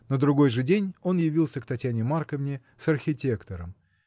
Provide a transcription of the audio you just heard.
На другой же день он явился к Татьяне Марковне с архитектором.